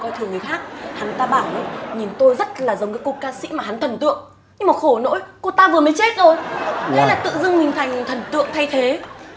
coi thường người khác hắn ta bảo nhìn tôi rất là giống cái cô ca sĩ mà hắn thần tượng nhưng mà khổ nỗi cô ta vừa mới chết rồi thế là tự dưng mình thành thần tượng thay thế